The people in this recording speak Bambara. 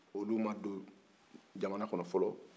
olu ma don jamana kɔnɔ fɔlɔ